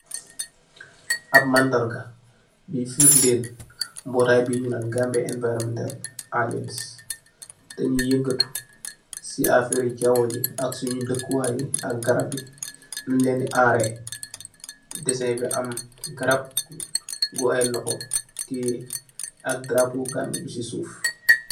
Ab mandarga, bi firndail, mbotaay bii nyunaan, Gambia Environmental Alliance, danyi yeungeutu si afeeri jawaji, ak sunyi deuku waay yi, ak garabbi, nunye leeni aaree, deseeh bi am garap, bu aye lokho tiyaih, ak daraapooh Gambie bi si suff.